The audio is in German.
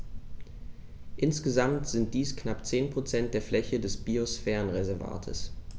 Insgesamt sind dies knapp 10 % der Fläche des Biosphärenreservates.